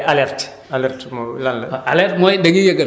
am na aussi lu ñuy wax ay alertes alerte moom lan la